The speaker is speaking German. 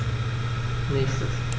Nächstes.